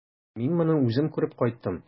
Мин моны үзем күреп кайттым.